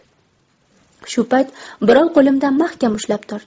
shu payt birov qo'limdan mahkam ushlab tortdi